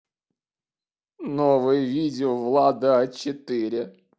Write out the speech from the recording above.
новое видео влад а четыре